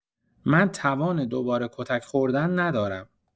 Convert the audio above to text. من توان دوباره کتک‌خوردن ندارم.